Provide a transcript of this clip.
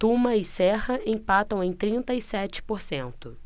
tuma e serra empatam em trinta e sete por cento